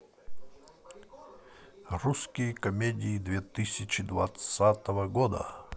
русские комедии две тысячи двадцатого года